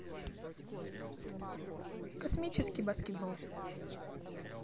космический баскетбол